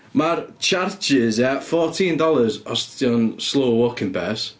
Ma'r charges ia, fourteen dollars os 'di o'n slow walking pace.